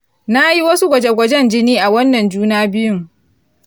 nayi wasu gwaje-gwajen jini a wannan juna biyun